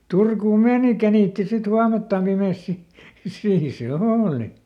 Turkuun meni känitti sitten huomeltaan pimeässä sitten siinä se oli